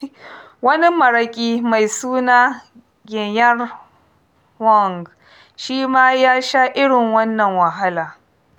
Wani maraƙi mai suna Ayeyar Maung shi ma ya sha irin wannan wahala.